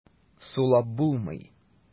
Сулап булмый.